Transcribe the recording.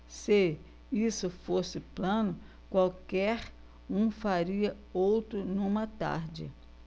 se isso fosse plano qualquer um faria outro numa tarde